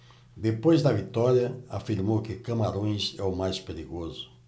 depois da vitória afirmou que camarões é o mais perigoso